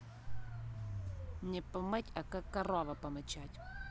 не помыть а как корова помычать